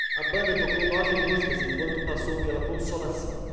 a banda tocou nove músicas enquanto passou pela consolação